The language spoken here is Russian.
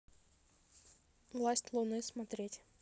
власть луны смотреть